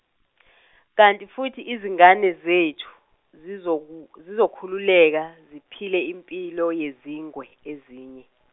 kanti futhi izingane zethu zizoku- zizokhululeka, ziphile impilo yezingwe ezinye.